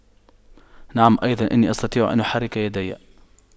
نعم أيضا إني أستطيع ان أحرك يداي